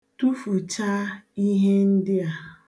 Tufuchaa ihe ndị a.